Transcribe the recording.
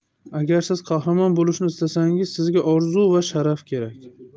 agar siz qahramon bo'lishni istasangiz sizga orzu va sharaf kerak